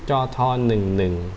จอทอหนึ่งหนึ่ง